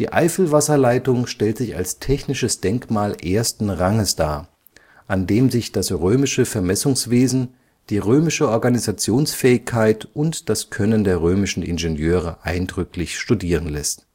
Eifelwasserleitung stellt sich als technisches Denkmal ersten Ranges dar, an dem sich das römische Vermessungswesen, die römische Organisationsfähigkeit und das Können der römischen Ingenieure eindrücklich studieren lässt